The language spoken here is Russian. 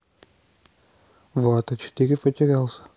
влад а четыре потерялся